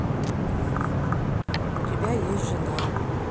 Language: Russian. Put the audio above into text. у тебя есть жена